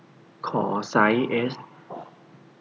ขอไซส์เอส